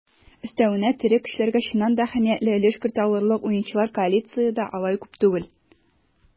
Өстәвенә, тере көчләргә чыннан да әһәмиятле өлеш кертә алырлык уенчылар коалициядә алай күп түгел.